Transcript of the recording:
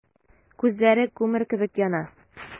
Күзләре күмер кебек яна.